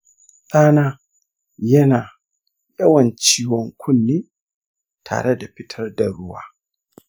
ɗana yana yawan ciwon kunne tare da fitar da ruwa